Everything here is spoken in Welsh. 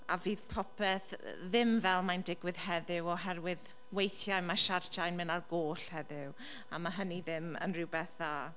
A fydd popeth ddim fel mae'n digwydd heddiw oherwydd weithiau mae siartau'n mynd ar goll heddiw a mae hynny ddim yn rhywbeth dda.